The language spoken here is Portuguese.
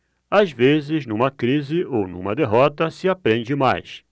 às vezes numa crise ou numa derrota se aprende mais